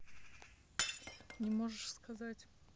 не можешь сказать